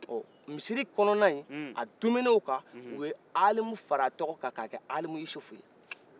misiri kɔnɔna nin a dumɛn'o kan u ye alimu fara a tɔgɔ kan ka kɛ alimusufu ye